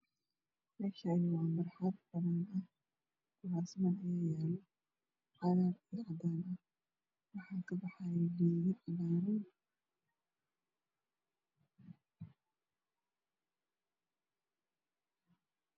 Meeshaani waa barxad banaan kuraasman ayaa yaalo cagaar iyo cadaan waxaa ka baxaayo geedo cagaaran